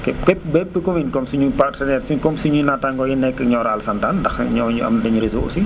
ké képp bépp commune comme suñu partenaires comme suñu naattango yu nekk Nioro alassane Tall ndax ñoonu am nañu réseau aussi